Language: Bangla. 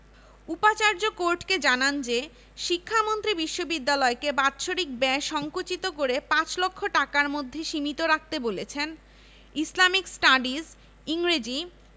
এবং শিক্ষাই আলো লেখা সম্বলিত নতুন ডিজাইনের তৃতীয় মনোগ্রাম অদ্যাবধি ব্যবহার করা হচ্ছে